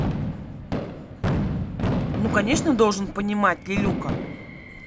ну конечно должен понимать лелюка